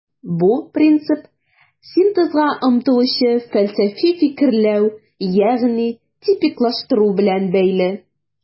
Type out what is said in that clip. Бу принцип синтезга омтылучы фәлсәфи фикерләү, ягъни типиклаштыру белән бәйле.